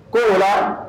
Ko ayiwa